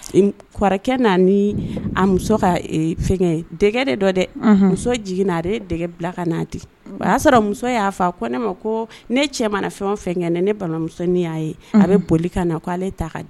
Kɔrɔkɛ muso jigin' dɛ bila ka' o y'a sɔrɔ muso y'a fɔ ko ne ma ko ne cɛ mana fɛn o fɛn kɛ ne banamusosoninnin y'a ye a bɛ boli ka na ko' ale t ta